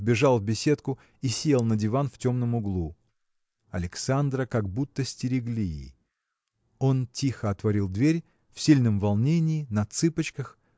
вбежал в беседку и сел на диван в темном углу. Александра как будто стерегли. Он тихо отворил дверь в сильном волнении на цыпочках